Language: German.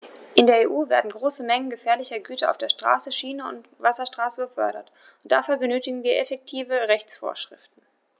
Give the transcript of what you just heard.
In der EU werden große Mengen gefährlicher Güter auf der Straße, Schiene und Wasserstraße befördert, und dafür benötigen wir effektive Rechtsvorschriften.